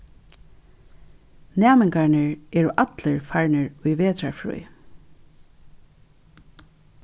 næmingarnir eru allir farnir í vetrarfrí